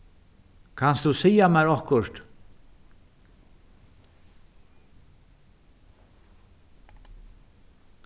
kanst tú siga mær okkurt